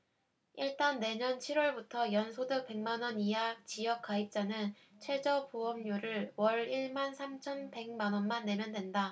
일단 내년 칠 월부터 연소득 백 만원 이하 지역가입자는 최저보험료로 월 일 만 삼천 백 원만 내면 된다